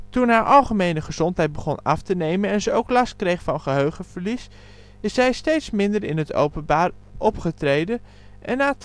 toen haar algemene gezondheid begon af te nemen en ze ook last kreeg van geheugenverlies is zij steeds minder in het openbaar opgetreden en na